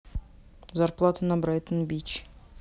зарплата на брайтон бич